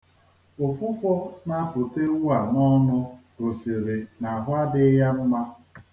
Ụfụfụ na-apụta ewu a n'ọnụ gosiri na ahụ adịghị ya mma.